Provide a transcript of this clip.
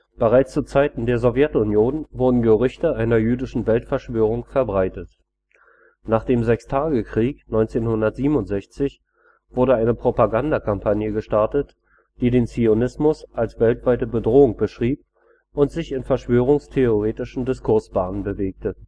Bereits zu Zeiten der Sowjetunion wurden Gerüchte einer jüdischen Weltverschwörung verbreitet. Nach dem Sechstagekrieg 1967 wurde eine Propagandakampagne gestartet, die den Zionismus als weltweite Bedrohung beschrieb und sich in verschwörungstheoretischen Diskursbahnen bewegte